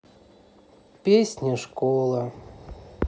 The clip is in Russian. песня школа